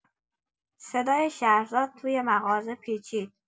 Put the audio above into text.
صدای شهرزاد توی مغازه پیچید.